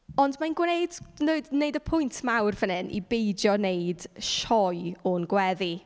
Ond mae'n gwneud... nyu- wneud y pwynt mawr fan hyn i beidio wneud sioe o'n gweddi.